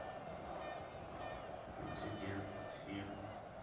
инцидент фильм